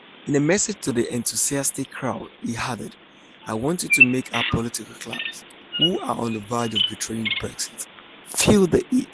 In a message to the enthusiastic crowd he added: 'I want you to make our political class, who are on the verge of betraying Brexit, feel the heat.